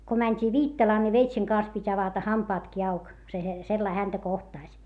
kun mentiin Viittalaan niin veitsen kanssa piti avata hampaatkin auki se - sellainen häntä kohtasi